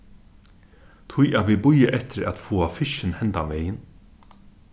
tí at vit bíða eftir at fáa fiskin hendan vegin